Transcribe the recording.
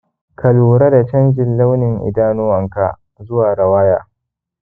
ka lura da canjin launin idanuwanka zuwa rawaya